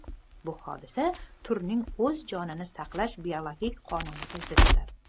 bu hodisa turning o'z jonini saqlash biologik qonuniga ziddir